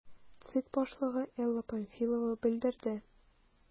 ЦИК башлыгы Элла Памфилова белдерде: